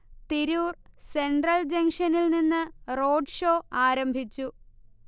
Tirur central ജംഗ്ഷനിൽ നിന്ന് roadshow ആരംഭിച്ചു